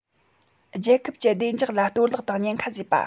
རྒྱལ ཁབ ཀྱི བདེ འཇགས ལ གཏོར བརླག དང ཉེན ཁ བཟོས པ